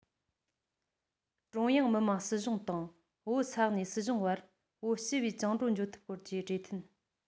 ཀྲུང དབྱང མི དམངས སྲིད གཞུང དང བོད ས གནས སྲིད གཞུང དབར བོད ཞི བས བཅིངས བཀྲོལ འབྱུང ཐབས སྐོར གྱི གྲོས མཐུན